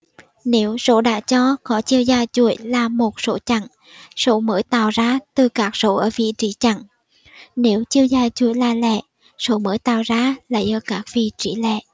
nếu số đã cho có chiều dài chuỗi là một số chẵn số mới tạo ra từ các số ở các vị trí chẵn nếu chiều dài chuỗi là lẻ số mới tạo ra lấy ở các vị trí lẻ